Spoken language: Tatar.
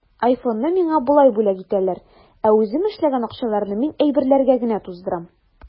Айфонны миңа болай бүләк итәләр, ә үзем эшләгән акчаларны мин әйберләргә генә туздырам.